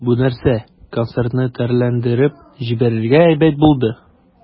Бу нәрсә концертны төрләндереп җибәрергә әйбәт булды.